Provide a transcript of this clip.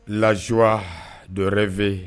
Lazowa dɔwrɛ bɛ